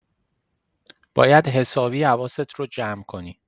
باید حسابی حواست رو جمع کنی.